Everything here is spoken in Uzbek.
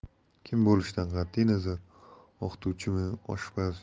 kim bo'lishidan qat'i nazar o'qituvchimi oshpaz